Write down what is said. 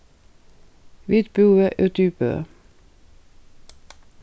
vit búðu úti í bø